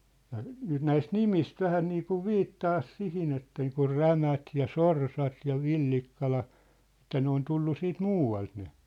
ja nyt näistä nimistä vähän niin kuin viittaa siihen että niin kuin Rämät ja Sorsat ja Villikkala että ne on tullut sitten muualta ne